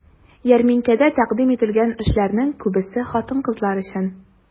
Ярминкәдә тәкъдим ителгән эшләрнең күбесе хатын-кызлар өчен.